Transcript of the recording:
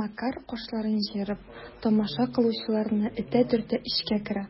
Макар, кашларын җыерып, тамаша кылучыларны этә-төртә эчкә керә,